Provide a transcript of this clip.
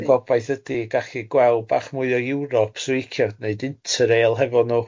Ond yy gobaith ydy gallu gweld bach mwy o Ewrop sy'n licio wneud Interrail hefo nhw.